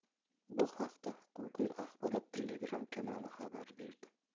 bu haqda huquqiy axborot telegram kanali xabar berdi